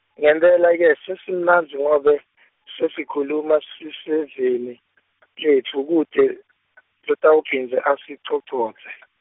ngempela ke sesimnandzi ngobe , sesikhuluma siseveni , letfu kute , lotawuphindze asicocodze .